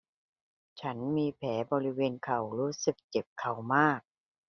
ฉันมีแผลบริเวณเข่ารู้สึกเจ็บเข่ามาก